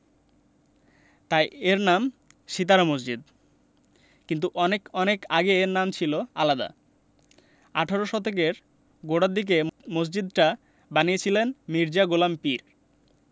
তাই এর নাম সিতারা মসজিদ কিন্তু অনেক অনেক আগে এর নাম ছিল আলাদা আঠারো শতকের গোড়ার দিকে মসজিদটা বানিয়েছিলেন মির্জা গোলাম পীর